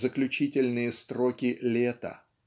заключительные строки "Лета".